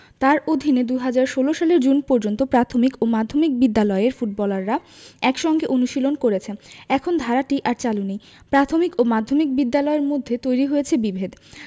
তাঁর অধীনে ২০১৬ সালের জুন পর্যন্ত প্রাথমিক ও মাধ্যমিক বিদ্যালয়ের ফুটবলাররা একসঙ্গে অনুশীলন করেছে এখন ধারাটি আর চালু নেই প্রাথমিক ও মাধ্যমিক বিদ্যালয়ের মধ্যে তৈরি হয়েছে বিভেদ